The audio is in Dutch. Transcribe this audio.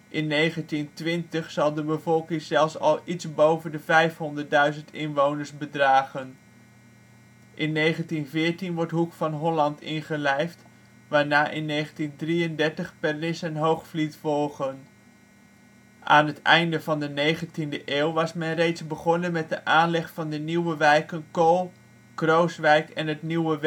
In 1920 zal de bevolking zelfs al iets boven de 500.000 inwoners bedragen. In 1914 wordt Hoek van Holland ingelijfd, waarna in 1933 Pernis en Hoogvliet volgen. Aan het einde van de 19e eeuw was men reeds begonnen met de aanleg van de nieuwe wijken Cool, Crooswijk en het Nieuwe